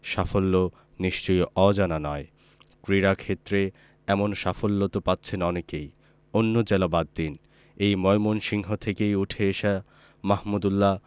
সাফল্য নিশ্চয়ই অজানা নয় ক্রীড়াক্ষেত্রে এমন সাফল্য তো পাচ্ছেন অনেকেই অন্য জেলা বাদ দিন এ ময়মনসিংহ থেকেই উঠে এসা মাহমুদউল্লাহ